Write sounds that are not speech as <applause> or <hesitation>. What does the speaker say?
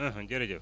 <hesitation> <hesitation> jërëjëf